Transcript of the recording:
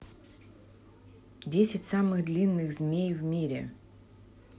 десять самых длинных змей в мире